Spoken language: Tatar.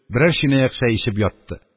Берәр чынаяк чәй эчеп ятты.